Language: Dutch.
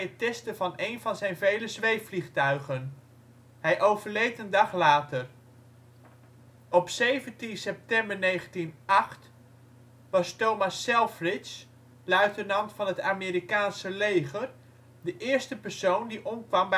testen van een van zijn vele zweefvliegtuigen. Hij overleed een dag later. Op 17 september 1908 was Thomas Selfridge, luitenant van het Amerikaanse leger, de eerste persoon die omkwam